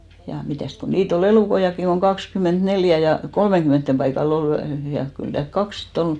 ja mitäs kun niitä oli elukoitakin kun kaksikymmentäneljä ja kolmenkymmenen paikalla oli ja kyllä täällä kaksi sitten oli